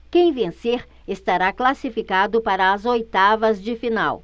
quem vencer estará classificado para as oitavas de final